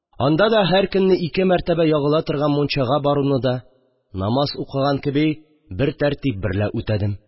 Анда да һәр көнне ике мәртәбә ягыла торган мунчага баруны да, намаз укыган кеби, бер тәртип берлә үтәдем